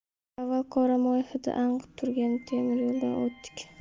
avval qora moy hidi anqib turgan temir yo'ldan o'tdik